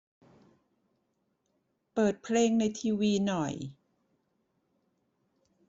เปิดเพลงในทีวีหน่อย